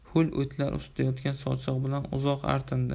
ho'l o'tlar ustida yotgan sochiq bilan uzoq artindi